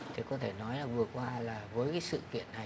có thể nói là vừa qua là với sự kiện này